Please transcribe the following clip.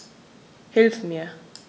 Hilf mir!